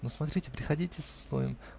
Но, смотрите, приходите с условием